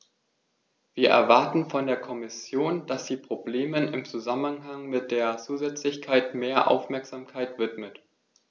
Wir erwarten von der Kommission, dass sie Problemen im Zusammenhang mit der Zusätzlichkeit mehr Aufmerksamkeit widmet.